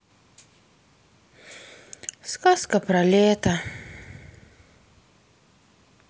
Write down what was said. сказка про лето